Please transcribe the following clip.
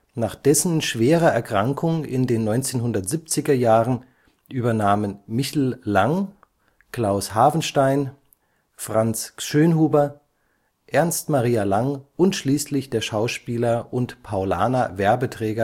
Nach dessen schwerer Erkrankung in den Siebziger Jahren übernahmen Michl Lang, Klaus Havenstein, Franz Schönhuber, Ernst Maria Lang und schließlich der Schauspieler und Paulaner-Werbeträger